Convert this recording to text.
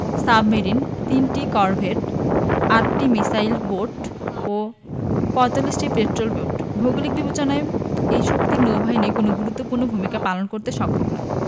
submarine ৩টি corvette ৮টি missile boat ও ৪৫টি পেট্রল বোট ভৌগোলিক বিবেচনায় এই শক্তির নৌবাহিনী কোনো গুরুত্বপূর্ণ ভূমিকা পালন করতে সক্ষম নয়